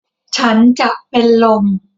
ฉันจะเป็นลม